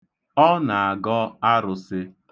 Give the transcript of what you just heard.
Ọ na-agọ arụsị.